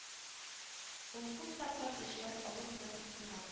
Ул күп тапкыр ришвәт алу белән тотылган